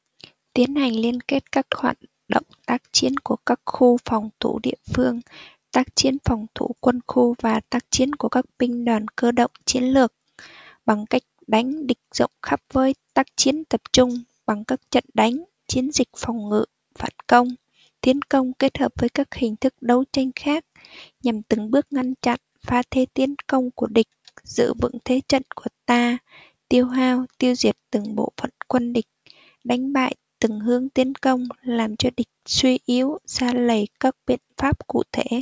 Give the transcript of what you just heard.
tiến hành liên kết các hoạt động tác chiến của các khu phòng thủ địa phương tác chiến phòng thủ quân khu và tác chiến của các binh đoàn cơ động chiến lược bằng cách đánh địch rộng khắp với tác chiến tập trung bằng các trận đánh chiến dịch phòng ngự phản công tiến công kết hợp với các hình thức đấu tranh khác nhằm từng bước ngăn chặn phá thế tiến công của địch giữ vững thế trận của ta tiêu hao tiêu diệt từng bộ phận quân địch đánh bại từng hướng tiến công làm cho địch suy yếu sa lầy các biện pháp cụ thể